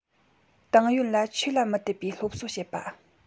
ཏང ཡོན ལ ཆོས ལ མི དད པའི སློབ གསོ བྱེད པ